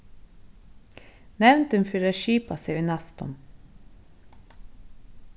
nevndin fer at skipa seg í næstum